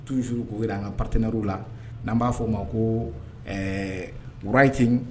Tuusuuruugu an ka pateɛrw la n'an b'a f fɔ oo ma ko ɛɛura ye ti